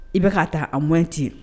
I bɛ ka taa a mɔnti